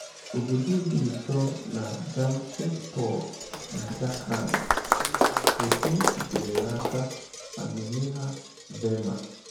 Obodo dị nso na Jamshedpur na Jharkhand. Foto sitere n'aka Anumeha Verma